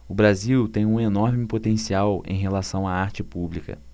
o brasil tem um enorme potencial em relação à arte pública